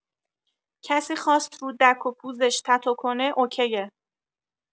کسی خواست رو دک و پوزش تتو کنه اوکیه.